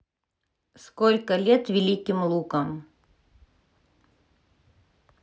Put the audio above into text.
сколько лет великим лукам